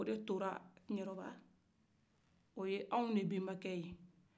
o de tora kiɲɛrɔba o y'an benbakɛ de ye